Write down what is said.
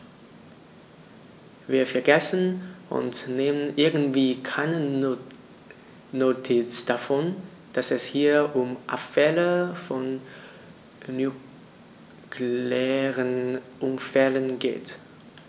Wir vergessen, und nehmen irgendwie keine Notiz davon, dass es hier um Abfälle von nuklearen Unfällen geht.